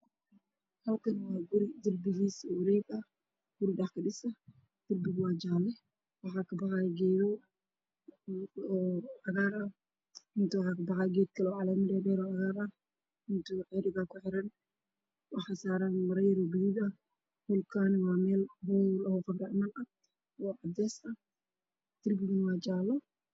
Meeshaan waa meel ay ka baxayaan geedo badan cagaar ah waxaannu ku wareegsan